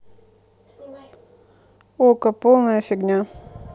окко полная фигня